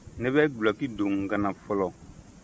ne bɛ dulɔki don n kan na fɔlɔ